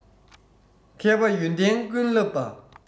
མཁས པ ཡོན ཏན ཀུན བསླབས པ